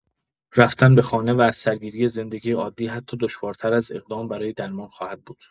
رفتن به خانه و از سرگیری زندگی عادی حتی دشوارتر از اقدام برای درمان خواهد بود.